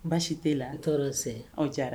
Baasi t' la n tɔɔrɔ se anw ca